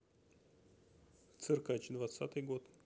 циркач двадцатый год